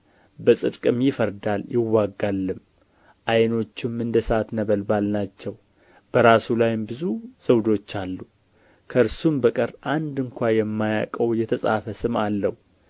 በጽድቅም ይፈርዳል ይዋጋልም ዓይኖቹም እንደ እሳት ነበልባል ናቸው በራሱ ላይም ብዙ ዘውዶች አሉ ከእርሱም በቀር አንድ እንኳ የማያውቀው የተጻፈ ስም አለው